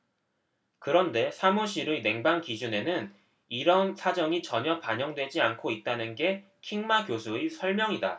그런데 사무실의 냉방기준에는 이런 사정이 전혀 반영되지 않고 있다는 게 킹마 교수의 설명이다